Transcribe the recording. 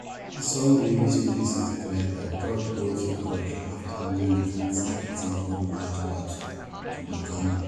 The song's lyrics makes it clear that George holds a grudge after losing the 2018 Road March battle to Montano.